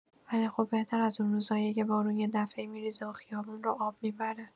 ولی خب بهتر از اون روزاییه که بارون یه‌دفعه‌ای می‌ریزه و خیابون رو آب می‌بره.